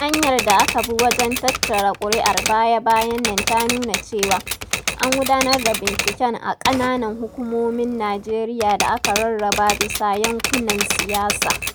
Hanyar da aka bi wajen tattara ƙuri'ar baya-bayan nan ta nuna cewa, an gudanar da binciken a "ƙananan hukumomin Nijeriya da aka rarraba bisa yankunan siyasa".